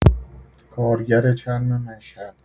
کارگر چرم مشهد.